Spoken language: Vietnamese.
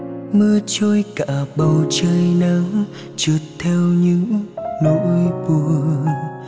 mưa trôi cả bầu trời nắng trượt theo những nỗi buồn